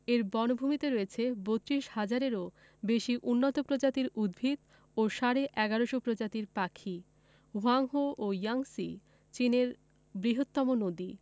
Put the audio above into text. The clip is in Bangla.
এর বনভূমিতে রয়েছে ৩২ হাজারেরও বেশি উন্নত প্রজাতির উদ্ভিত ও সাড়ে ১১শ প্রজাতির পাখি হোয়াংহো ও ইয়াংসি চীনের বৃহত্তম নদী